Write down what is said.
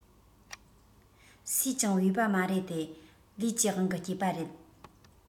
སུས ཀྱང བོས པ མ རེད དེ ལས ཀྱི དབང གིས སྐྱེས པ རེད